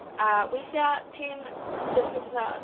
A weithiau ti'n dysgu petha.